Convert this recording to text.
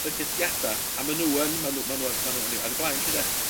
bygythiada, a ma' nw yn ma' nw ma' nhw yn maen nhw yn 'i ar 'i blaen lly 'de?